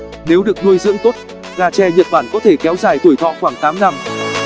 nếu được nuôi dưỡng tốt gà tre nhật bản có thể kéo dài tuổi thọ khoảng năm